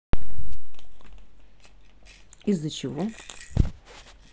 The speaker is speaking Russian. из за чего